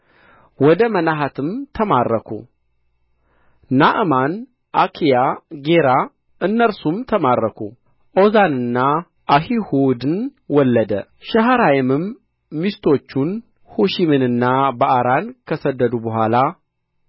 ወደ መናሐትም ተማረኩ ናዕማን አኪያ ጌራ እነርሱም ተማረኩ ዖዛንና አሒሑድን ወለደ ሸሐራይምም ሚስቶቹን ሑሺምንና በዕራን ከሰደደ በኋላ